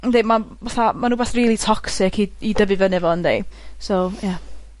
yndi ma'n fatha ma'n wbath rili toxic i i dyfu fyny efo yndi? So ie.